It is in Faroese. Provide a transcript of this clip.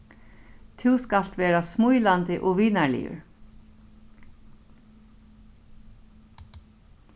tú skalt vera smílandi og vinarligur